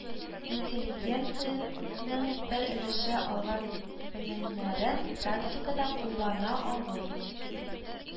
Интеллигенцияның бер өлеше алган белем нәрен практикада куллана алмый